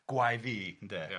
Gwae fi ynde,